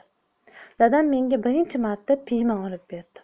dadam menga birinchi marta piyma olib berdi